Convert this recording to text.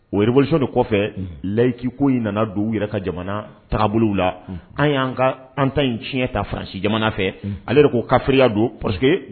O révolution de kɔfɛ laïc ko in nana don u yɛrɛ ka jamana taabolo la, an y'an ka an ta in tiɲɛ ta France jamana fɛ ale de ko kafri ya don parce que